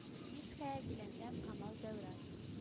Ильская гөләндәм камал дәүран